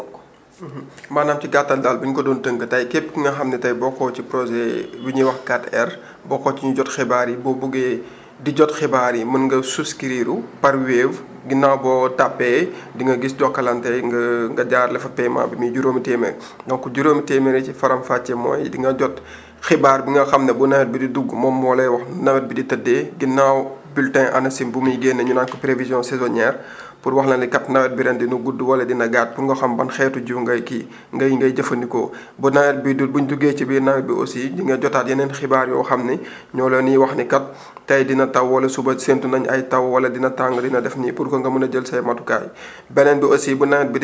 maanaam si gàttal daal bu ñu ko doon tëk tey képp ki nga xam ne tey bokkoo ci projet bi ñuy wax 4R bokkoo ci ñi jot xibaar yi boo bëggee di jot xibaar yi mën nga souscrire par Wave ginnaaw boo tapé di nga gis Jokalante nga nga jaarale fa paiement bi muy juróomi téeméer donc juróomi téeméer yi ci faram fàcce mooy di nga jot xibaar bi nga xam ne bu nawet bi di dugg moom moo lay wax ni nawet bi di tëddee ginnaaw bulletin ANACIM bu muy génne ñu naan ko prévision saisonnière pour wax la ni kat nawet bi ren di na gudd wala di na gàtt pour nga xam ban xeetu jur ngay kii ngay ngay jëfandikoo bu nawet bi di bu ñu duggee ci biir nawet bi aussi di nga jotaat yeneen xibaar yoo xam ne ñoo leen di wax ni kat tey di na taw wala suba séntu nañu ay taw wala dia tàng dina def nii pour que nga mën a jël say matukaay